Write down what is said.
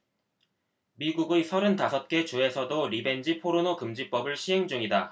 미국의 서른 다섯 개 주에서도 리벤지 포르노 금지법을 시행중이다